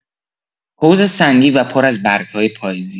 حوض سنگی و پر از برگ‌های پاییزی